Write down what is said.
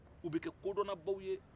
o bɛ kɛ kodɔnnabaw ye